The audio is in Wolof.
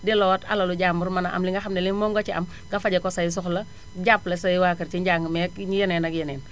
delloowaat alalu jàmbur mën a am li nga xam ne ni moom nga ca am nga fajee ko say soxla jàppale say waa kër si njàng meeg yeneen ak yeneen